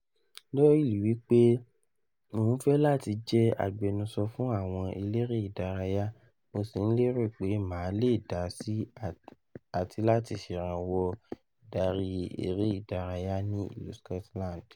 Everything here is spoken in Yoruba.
Doyle wi pe: “Mo n fẹ lati jẹ agbẹnusọ fun awọn elere idaraya mo si n lero pe maa le dasi ati lati seranwọ idari ere idaraya ni ilu Scotland.”